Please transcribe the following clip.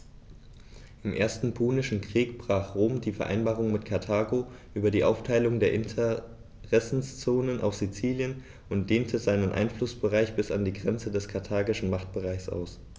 Im Ersten Punischen Krieg brach Rom die Vereinbarung mit Karthago über die Aufteilung der Interessenzonen auf Sizilien und dehnte seinen Einflussbereich bis an die Grenze des karthagischen Machtbereichs aus.